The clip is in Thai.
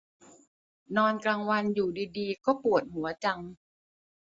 นอนกลางวันอยู่ดีดีก็ปวดหัวจัง